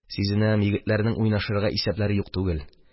Сизенәм, егетләрнең уйнашырга исәпләре юк түгел.